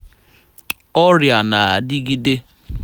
Ọrịa Na-Adịgide